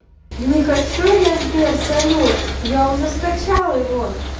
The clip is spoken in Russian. не хочу я сбер салют я уже скачал его